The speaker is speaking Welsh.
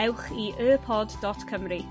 ewch i Y Pod dot Cymru.